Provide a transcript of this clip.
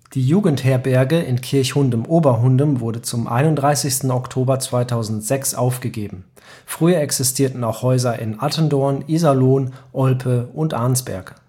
Die Jugendherberge in Kirchhundem-Oberhundem wurde zum 31. Oktober 2006 aufgegeben. Früher existierten auch Häuser in Attendorn, Iserlohn, Olpe und Arnsberg